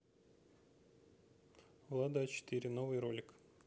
влада а четыре новый ролик